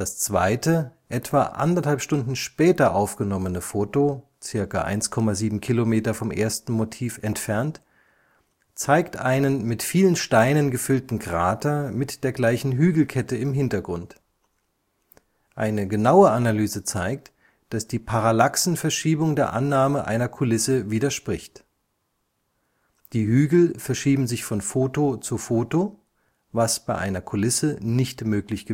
zweite, etwa 1½ Stunden später aufgenommene Foto (1,7 Kilometer vom ersten Motiv entfernt) zeigt einen mit vielen Steinen gefüllten Krater mit der gleichen Hügelkette im Hintergrund. Eine genaue Analyse zeigt, dass die Parallaxenverschiebung der Annahme einer Kulisse widerspricht. Die Hügel verschieben sich von Foto zu Foto (insbesondere der auf dem zweiten Foto nach oben verschobene rechte Hügel macht dies deutlich), was bei einer Kulisse nicht möglich